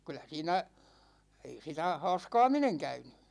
kyllä siinä ei sitä haaskaaminen käynyt